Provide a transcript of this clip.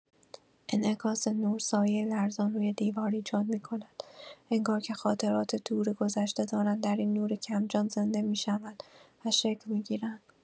انعکاس نور، سایه‌ای لرزان روی دیوار ایجاد می‌کند، انگار که خاطرات دور گذشته دارند در این نور کم‌جان زنده می‌شوند و شکل می‌گیرند.